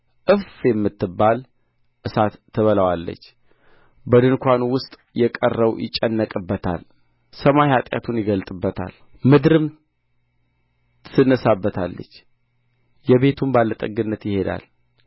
እፍ የማትባል እሳት ትበላዋለች በድንኳኑ ውስጥ የቀረው ይጨነቅባታል ሰማይ ኃጢአቱን ይገልጥበታል ምድርም ትነሣበታለች የቤቱም ባለጠግነት ይሄዳል